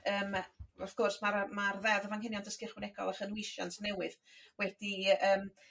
Yrm wrth gwrs ma' r- ma'r ddeddf anghenion dysgu ychwanegol a chynwysiant newydd wedi yrm